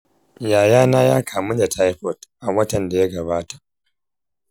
yayana ya kamu da taifoid a watan da ya gabata.